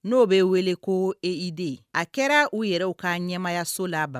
No be wele ko E I D . A kɛra u yɛrɛw ka ɲɛmayaso la ba